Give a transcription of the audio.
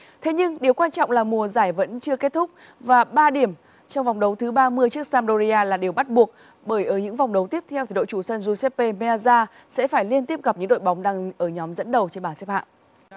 thế nhưng điều quan trọng là mùa giải vẫn chưa kết thúc và ba điểm trong vòng đấu thứ ba mươi trước xam đô ri a là điều bắt buộc bởi ở những vòng đấu tiếp theo của đội chủ sân du xép pê mê a da sẽ phải liên tiếp gặp những đội bóng đang ở nhóm dẫn đầu trên bảng xếp hạng